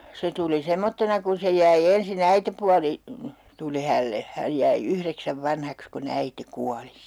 se tuli semmoisena kun se jäi ensin äitipuoli tuli hänelle hän jäi yhdeksän vanhaksi kun äiti kuoli